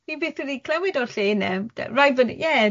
fi byth wedi clywed o'r lle 'na. D- raid bod, ie